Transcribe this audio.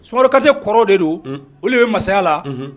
Sumaworokatɛ kɔrɔw de do olu ye masaya la